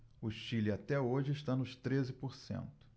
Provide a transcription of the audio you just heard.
o chile até hoje está nos treze por cento